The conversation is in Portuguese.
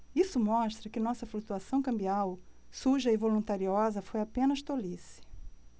isso mostra que nossa flutuação cambial suja e voluntariosa foi apenas tolice